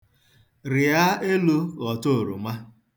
Rịa elu ghọta oroma.